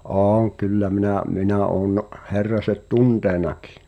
olen kyllä minä minä olen Herraset tuntenutkin